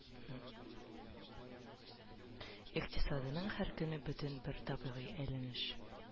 Икътисадының һәр көне бөтен бер табигый әйләнеш